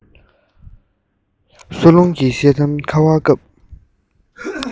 གསོ རླུང གི ཤེལ དམ གྱི ཁ བཀབ